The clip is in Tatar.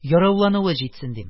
Яраулануы җитсен, дим.